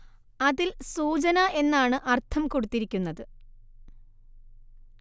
അതിൽ സൂചന എന്നാണ് അർത്ഥം കൊടുത്തിരിക്കുന്നത്